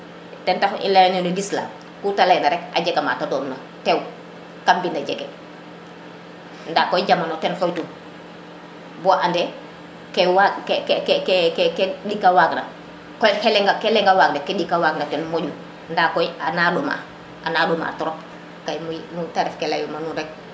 ten taxu ileye la l' islam ku te ley rek a jega mate doon na tew kam mbina jege nda koy jamano ten xooy tun bo ande ke wag keke ke ke ɗika wag na ke xoy ke leŋa waaga na ke ɗika waag na ten moƴu nda koy ana ɗoma ana ɗoma trop key te ref ke ly ma nuun rek